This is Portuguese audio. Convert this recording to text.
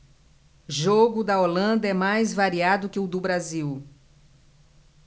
jogo da holanda é mais variado que o do brasil